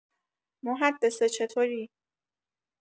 محدثه چطوری؟